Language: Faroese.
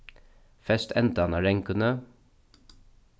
fest endan á ranguni